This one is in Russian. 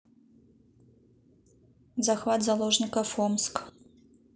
захват заложников омск